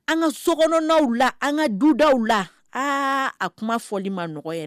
An ka sokɔnɔɔn la an ka duda la aa a kuma fɔli ma nɔgɔ yɛrɛ